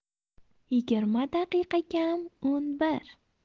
yigirma daqiqa kam o'n bir